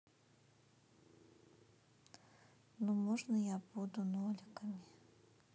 ну можно я буду ноликами